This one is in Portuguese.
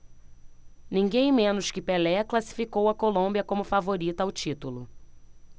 ninguém menos que pelé classificou a colômbia como favorita ao título